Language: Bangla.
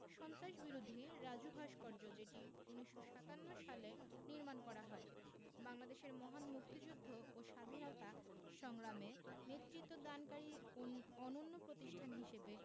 সন্ত্রাসবিরোধী রাজু ভাস্কর্য যেটি১৯৫৭ সালে নির্মাণ করা হয় বাংলাদেশের মহান মুক্তিযুদ্ধ ও স্বাধীনতা সংগ্রামে নেতৃত্বদানকারী অন অনন্য প্রতিষ্ঠান হিসেবে